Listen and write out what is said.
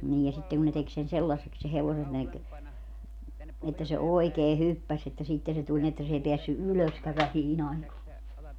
niin ja sitten kun ne teki sen sellaiseksi sen hevosen ne - että se oikein hyppäsi että sitten se tuli niin että se ei päässyt ylöskään vähiin aikoihin